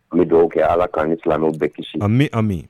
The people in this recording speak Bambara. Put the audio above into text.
An bɛ dugawu kɛ Ala k'an ni silamɛwɛw bɛɛ kisi. Ami ami